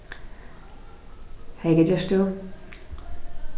hey hvat gert tú